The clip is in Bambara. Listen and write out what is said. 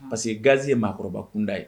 Pa parce que ganz ye maakɔrɔba kunda ye